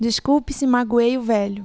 desculpe se magoei o velho